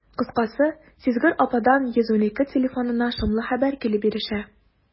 Кыскасы, сизгер ападан «112» телефонына шомлы хәбәр килеп ирешә.